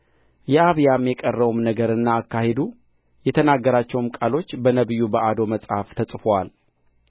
የአብያም የቀረው ነገርና አካሄዱ የተናገራቸውም ቃሎች በነቢዩ በአዶ መጽሐፍ ተጽፈዋል